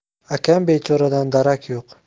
akam bechoradan darak yo'q